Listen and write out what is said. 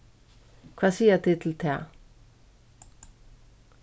hvat siga tit til tað